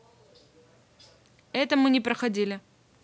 это мы не проходили